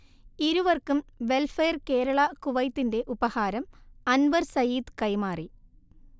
ഇരുവർക്കും വെൽഫെയർ കേരള കുവൈത്തിന്റെ ഉപഹാരം അൻവർ സയീദ് കൈമാറി